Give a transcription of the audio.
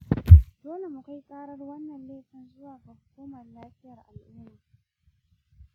dole mu kai karar wannan laifi zuwa ga hukuman lafiyan al'umma.